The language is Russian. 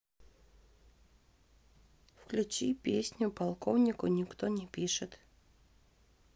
включи песню полковнику никто не пишет